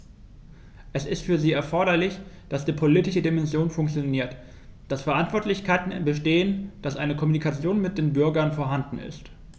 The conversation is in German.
Es ist für sie erforderlich, dass die politische Dimension funktioniert, dass Verantwortlichkeiten bestehen, dass eine Kommunikation mit den Bürgern vorhanden ist.